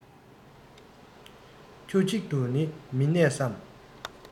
ཁྱུ གཅིག ཏུ ནི མི གནས སམ